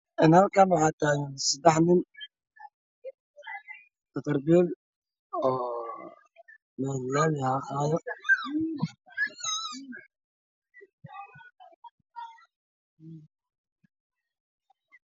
een halkaan waxaa taagan 3 nin